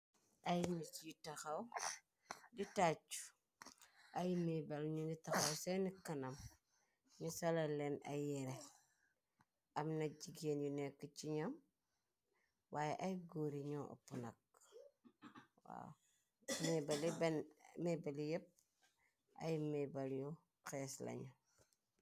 Ay nit yui takhaw di tàchu ay meybal ñu ngi taxaw seeni kanam. Nu sulal leen ay yere. Amna jigeen yu nekk ci ñyum waaye ay góori ñoo oppu nakk méybal yi yépp ay mabal yu xees leen.